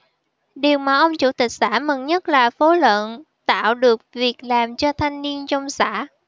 điều mà ông chủ tịch xã mừng nhất là phố lợn tạo được việc làm cho thanh niên trong xã